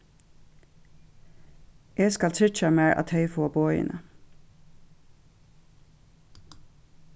eg skal tryggja mær at tey fáa boðini